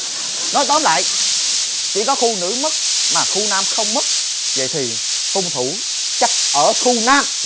nói tóm lại chỉ có khu nữ mất mà khu nam không mất vậy thì hung thủ chắc ở khu nam